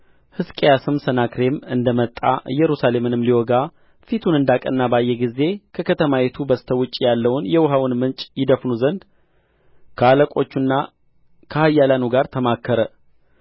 ሕዝቅያስም ሰናክሬም እንደ መጣ ኢየሩሳሌምንም ሊወጋ ፊቱን አንዳቀና ባየ ጊዜ ከከተማይቱ በስተ ውጭ ያለውን የውኃውን ምንጭ ይደፍኑ ዘንድ ከአለቆቹና ከኃያላኑ ጋር ተማከረ